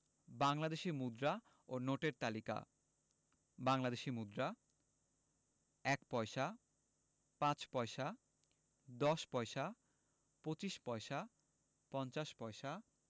বাংলাদেশি মুদ্রা ও নোটের তালিকাঃ বাংলাদেশি মুদ্রাঃ ১ পয়সা ৫ পয়সা ১০ পয়সা ২৫ পয়সা ৫০ পয়সা